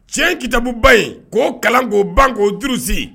Tiɲɛ kitabuba in k'o kalan k'o ban k'o durusi